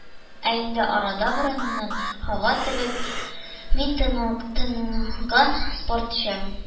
Ә инде арада борынын һава төбәп, мин танылган спортчы,